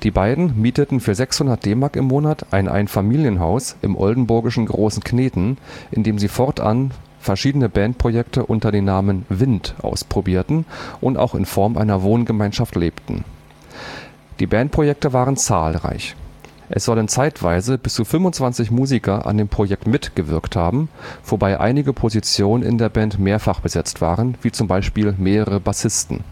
beiden mieteten für 600 DM im Monat ein Einfamilienhaus im oldenburgischen Großenkneten, in dem sie fortan verschiedene Bandprojekte unter dem Namen „ Wind “ausprobierten und auch in Form einer Wohngemeinschaft lebten. Die Bandprojekte waren zahlreich. Es sollen zeitweise bis zu 25 Musiker an dem Projekt mitgewirkt haben, wobei einige Positionen in der Band mehrfach besetzt waren, wie z. B. mehrere Bassisten